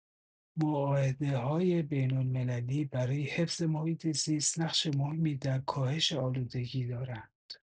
معاهده‌های بین‌المللی برای حفظ محیط‌زیست، نقش مهمی در کاهش آلودگی دارند.